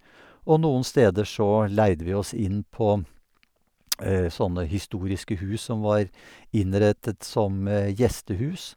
Og noen steder så leide vi oss inn på sånne historiske hus som var innrettet som gjestehus.